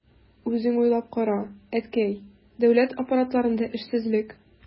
Үзең уйлап кара, әткәй, дәүләт аппаратларында эшсезлек...